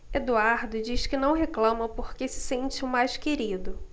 eduardo diz que não reclama porque se sente o mais querido